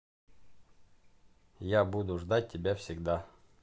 я буду ждать тебя всегда